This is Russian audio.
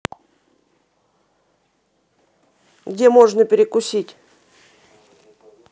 где можно перекусить